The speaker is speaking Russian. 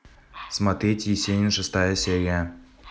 смотреть есенин шестая серия